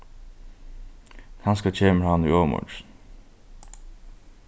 kanska kemur hann í ovurmorgin